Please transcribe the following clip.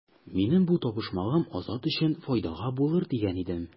Минем бу табышмагым Азат өчен файдага булыр дигән идем.